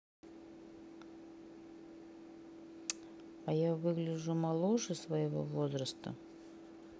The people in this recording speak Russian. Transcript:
а я выгляжу моложе своего возраста